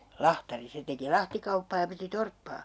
lahtari se teki lahtikauppaa ja piti torppaa